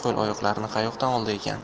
qo'l oyoqlarni qayoqdan oldi ekan